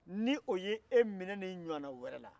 ni o y'e minɛ nin ɲɔgɔn na wɛrɛ la